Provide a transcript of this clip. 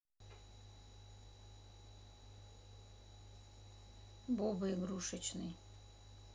боба игрушечный